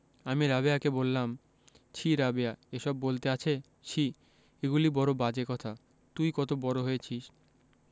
আমি রাবেয়াকে বললাম ছিঃ রাবেয়া এসব বলতে আছে ছিঃ এগুলি বড় বাজে কথা তুই কত বড় হয়েছিস